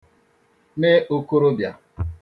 me òkorobịà